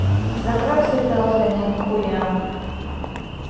закрой все приложения к хуям